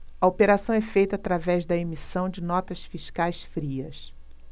a operação é feita através da emissão de notas fiscais frias